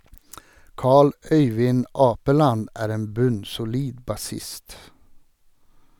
Carl Øyvind Apeland er en bunnsolid bassist.